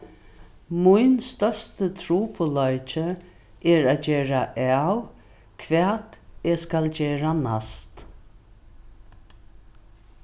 mín størsti trupulleiki er at gera av hvat eg skal gera næst